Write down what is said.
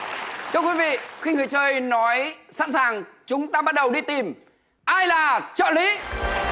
thưa quý vị khi người chơi nói sẵn sàng chúng ta bắt đầu đi tìm ai là trợ lý